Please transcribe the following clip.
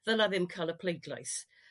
ddyla' ddim cael y pleidlais